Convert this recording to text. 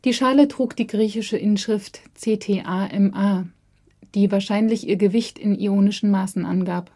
Schale trug die griechische Inschrift „ CTA MA “, die wahrscheinlich ihr Gewicht in ionischen Maßen angab